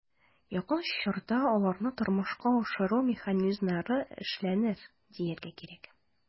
Якын чорда аларны тормышка ашыру механизмнары эшләнер, дияргә кирәк.